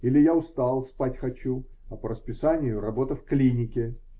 или я устал, спать хочу, а по расписанию работа в клинике.